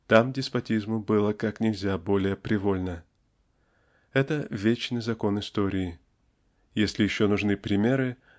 там деспотизму было как нельзя более привольно. Это вечный закон истории если еще нужны примеры